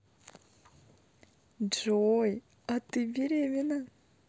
джой а ты беременна